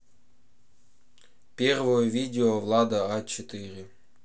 первое видео влада а четыре